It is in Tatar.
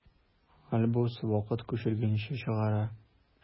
Альбус вакыт күчергечне чыгара.